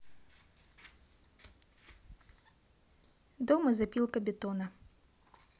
дом из опилкобетона